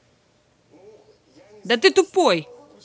да ты тупой